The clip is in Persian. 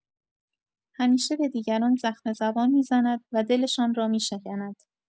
همیشه به دیگران زخم‌زبان می‌زند و دلشان را می‌شکند.